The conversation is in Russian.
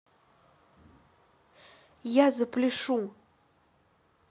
я запляшу